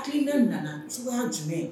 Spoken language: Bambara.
Hakilina nana cogoya jumɛn ?